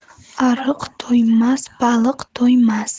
ariq to'ymasa baliq to'ymas